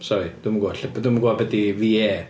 Sori, dwi'm yn gwybod lle b... dwi'm yn gwbod be 'di VA.